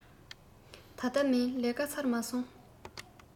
ད ལྟ མིན ལས ཀ ཚར མ སོང